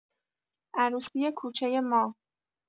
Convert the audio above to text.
عروسی کوچۀ ما